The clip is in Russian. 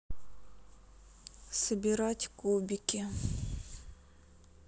собирать кубики